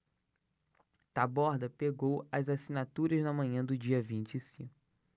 taborda pegou as assinaturas na manhã do dia vinte e cinco